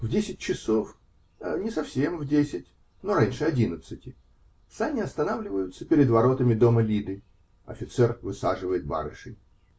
В десять часов -- не совсем в десять, но раньше одиннадцати -- сани останавливаются перед воротами дома Лиды. Офицер высаживает барышень.